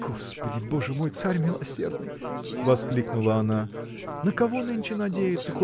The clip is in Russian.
Господи, боже мой, царь милосердый! – воскликнула она – на кого нынче надеяться